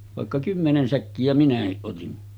vaikka kymmenen säkkiä minäkin otin